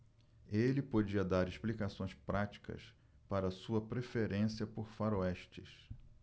ele podia dar explicações práticas para sua preferência por faroestes